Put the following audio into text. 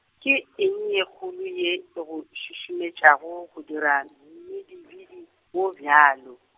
ke eng ye kgolo ye, e go šušumetšago, go dira mmidibidi, wo bjalo.